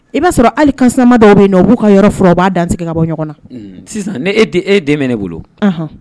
I b'a sɔrɔ halisama dɔw bɛ yen u'u ka yɔrɔ u b'a danse ka bɔ ɲɔgɔn na sisan ne e den ne bolo